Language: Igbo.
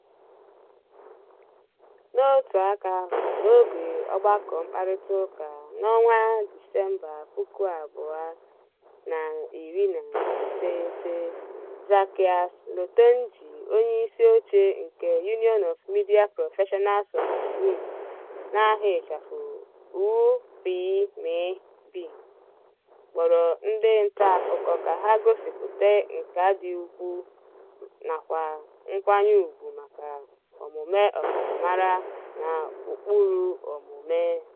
N'otu aka ahụ, n'oge ọgbakọ mkparịtaụka na Disemba 2019, Zakiath Latondji , onyeisi oche nke Union of Media Professionals of Benin (UPMB), kpọrọ ndị ntaakụkọ ka ha gosịpụta nkà dị ukwuu nakwa nkwanye ùgwù maka omume ọkachamara na ụkpụrụ omume.